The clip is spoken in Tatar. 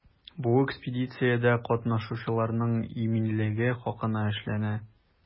Бу экспедициядә катнашучыларның иминлеге хакына эшләнә.